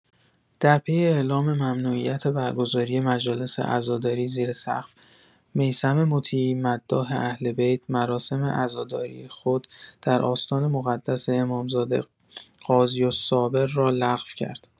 در پی اعلام ممنوعیت برگزاری مجالس عزاداری زیر سقف، میثم مطیعی مداح اهل‌بیت مراسم عزاداری خود، در آستان مقدس امامزاده قاضی‌الصابر را لغو کرد.